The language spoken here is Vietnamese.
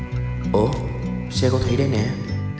ủa xe cô thủy đây nè